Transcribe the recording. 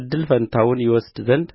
እድል ፈንታውን ይወስድ ዘንድ